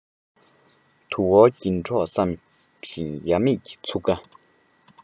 དུ བ རྒྱུན གྲོགས བསམ ཞིང ཡ མེད ཀྱི ཚུགས ཀ